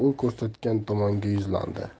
u ko'rsatgan tomonga yuzlandi